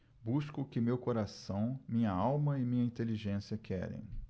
busco o que meu coração minha alma e minha inteligência querem